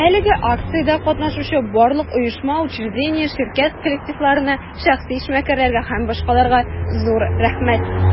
Әлеге акциядә катнашучы барлык оешма, учреждение, ширкәт коллективларына, шәхси эшмәкәрләргә һ.б. зур рәхмәт!